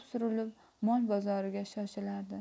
surilib mol bozoriga shoshilardi